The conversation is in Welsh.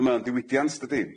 On' ma' o'n ddiwydiant dydi?